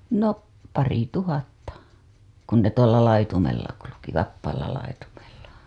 no parituhatta kun ne tuolla laitumella kulki vapaalla laitumella